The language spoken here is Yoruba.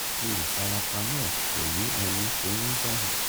Olùfarapa náà kò rí ẹni ṣé ní jàmbá.